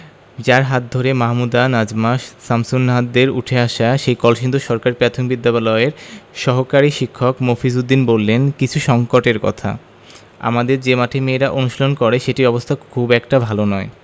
যাঁর হাত ধরে মাহমুদা নাজমা শামসুন্নাহারদের উঠে আসা সেই কলসিন্দুর সরকারি প্রাথমিক বিদ্যালয়ের সহকারী শিক্ষক মফিজ উদ্দিন বললেন কিছু সংকটের কথা আমাদের যে মাঠে মেয়েরা অনুশীলন করে সেটির অবস্থা খুব একটা ভালো নয়